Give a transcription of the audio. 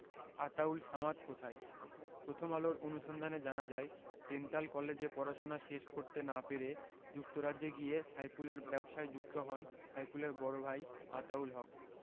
আতাউল সামাদ কোথায় প্রথম আলোর অনুসন্ধানে জানা যায় ডেন্টাল কলেজে পড়াশোনা শেষ করতে না পেরে যুক্তরাজ্যে গিয়ে সাইফুলের ব্যবসায় যুক্ত হন সাইফুলের বড় ভাই আতাউল হক